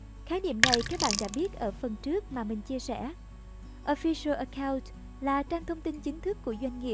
khái niệm này các bạn đã biết ở các phần trước mà mình chia sẻ official account là trang thông tin chính thức của doanh nghiệp nhãn hàng